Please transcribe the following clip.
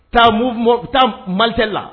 Taa bɛ taa malikɛ la